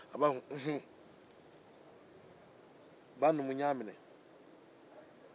a b'a fɔ unhun baa numu n y'a minɛ